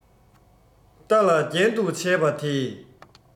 རྟ ལ རྒྱན དུ བྱས པ དེ